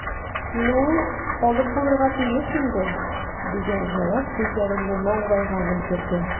"ну, алып булырга тиеш инде", – дигән җавап күзләремне маңгайга менгерде.